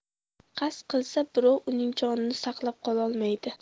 qasd qilsa birov uning jonini saqlab qololmaydi